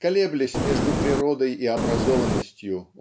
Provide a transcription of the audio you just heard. Колеблясь между природой и образованностью